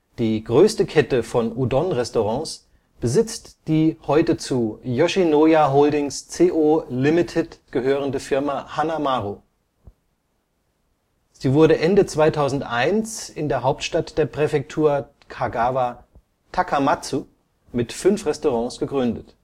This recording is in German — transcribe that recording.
Die größte Kette von Udon-Restaurants besitzt die heute zu Yoshinoya Holdings Co., Ltd. gehörende Firma Hanamaru. Sie wurde Ende 2001 in der Hauptstadt der Präfektur Kagawa Takamatsu mit fünf Restaurants gegründet